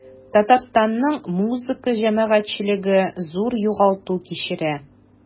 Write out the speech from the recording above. Татарстанның музыка җәмәгатьчелеге зур югалту кичерә.